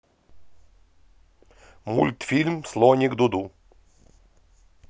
мультфильм слоник дуду